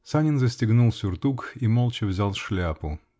Санин застегнул сюртук и молча взял шляпу.